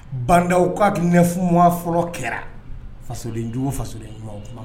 Bandaw u'afin fɔlɔ kɛra fasojugu kuma